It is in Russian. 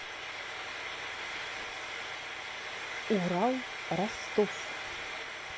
урал ростов